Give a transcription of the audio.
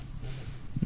parce que phosphore moom